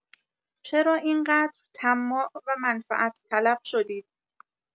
چرا اینقدر طماع و منفعت‌طلب شدید؟